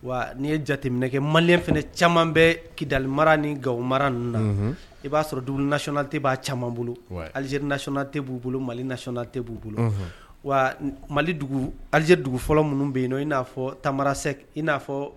Wa n'i ye jateminɛ kɛ mali fana caman bɛɛ kidali mara ni gawo mara ninnu na i b'a sɔrɔ dugu nasona tɛ b'a caman bolo alize nasona tɛ b'u bolo mali nasona tɛ b'u bolo wa mali alize dugu fɔlɔ minnu bɛ yen i na fɔ tamara sɛgɛ in na fɔ